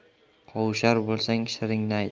qovushar bo'lsang siringni ayt